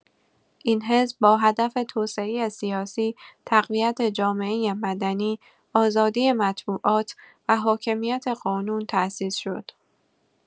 این حزب با هدف توسعه سیاسی، تقویت جامعه مدنی، آزادی مطبوعات و حاکمیت قانون تأسیس شد.